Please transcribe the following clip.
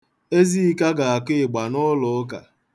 Ezika ga-akụ ịgba n'ụlọụka.